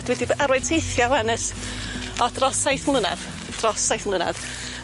A dwi 'di b- a rwy teithio ŵan ers o dros saith mlynadd. Dros saith mlynadd.